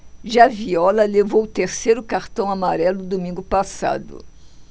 já viola levou o terceiro cartão amarelo domingo passado